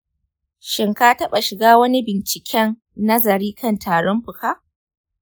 shin ka taɓa shiga wani binciken nazari kan tarin fuka?